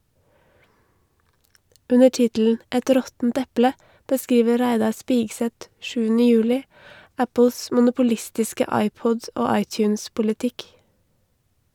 Under tittelen "Et råttent eple" beskriver Reidar Spigseth sjuende juli Apples monopolistiske iPod- og iTunes-politikk.